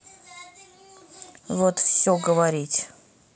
вот все говорить